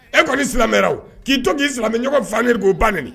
E kɔni silamɛ k'i to k'i silamɛɲɔgɔnɔgɔ fanen k'o baneni